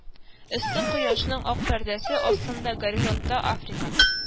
Эссе кояшның ак пәрдәсе астында горизонтта Африка